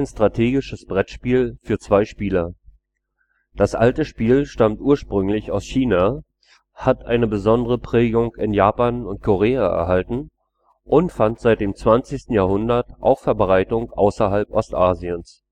strategisches Brettspiel für zwei Spieler. Das alte Spiel stammt ursprünglich aus China, hat eine besondere Prägung in Japan und Korea erhalten und fand seit dem 20. Jahrhundert auch Verbreitung außerhalb Ostasiens